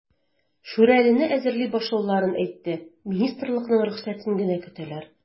"шүрәле"не әзерли башлауларын әйтте, министрлыкның рөхсәтен генә көтәләр.